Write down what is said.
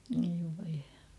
oi voi